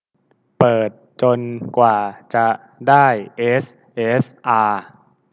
เปิดจนกว่าจะได้เอสเอสอา